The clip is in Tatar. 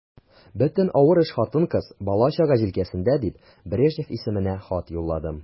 Бөтен авыр эш хатын-кыз, бала-чага җилкәсендә дип, Брежнев исеменә хат юлладым.